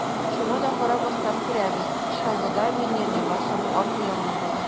Шуңа да карамастан, күрәбез: Чаллыда миллионерлар саны арту ягына бара.